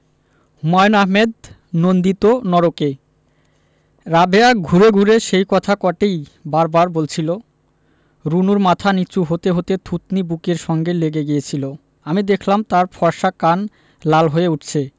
হুমায়ুন আহমেদ নন্দিত নরকে রাবেয়া ঘুরে ঘুরে সেই কথা কটিই বার বার বলছিলো রুনুর মাথা নীচু হতে হতে থুতনি বুকের সঙ্গে লেগে গিয়েছিলো আমি দেখলাম তার ফর্সা কান লাল হয়ে উঠছে